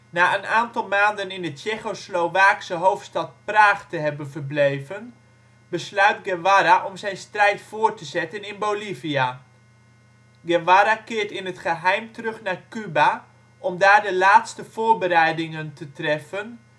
Na een aantal maanden in de Tsjechoslowaakse hoofdstad Praag te hebben verbleven, besluit Guevara om zijn strijd voort te zetten in Bolivia. Guevara keert in het geheim terug naar Cuba om daar de laatste voorbereidingen te treffen